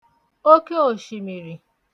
oke òshìmìrì